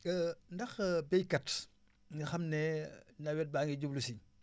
ndax béykat nga xam ne nawet baa ngi jublu si